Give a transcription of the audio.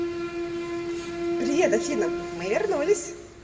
привет афина мы вернулись